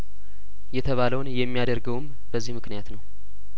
የተባለውን የሚያደርገውም በዚህ ምክንያት ነው